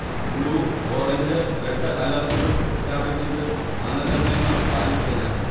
blue, orange, red അലർട്ടുകൾ പ്രഖ്യാപിച്ചത് മാനദണ്ഡങ്ങൾ പാലിച്ചല്ല